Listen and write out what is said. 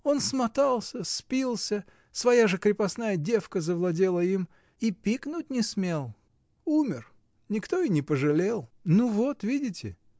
Он смотался, спился, своя же крепостная девка завладела им — и пикнуть не смел. Умер — никто и не пожалел! — Ну вот видите!